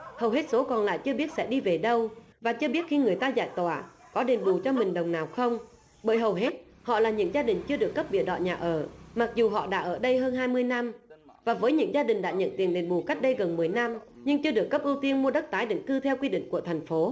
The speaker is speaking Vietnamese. hầu hết số còn lại chưa biết sẽ đi về đâu và chưa biết khi người ta giải tỏa có đền bù cho mình đồng nào không bởi hầu hết họ là những gia đình chưa được cấp bìa đỏ nhà ở mặc dù họ đã ở đây hơn hai mươi năm và với những gia đình đã nhận tiền đền bù cách đây gần mười năm nhưng chưa được cấp ưu tiên mua đất tái định cư theo quy định của thành phố